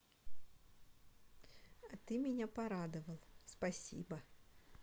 а ты меня порадовал спасибо